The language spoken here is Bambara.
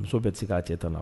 Muso bɛ tɛ se k'a cɛ ta na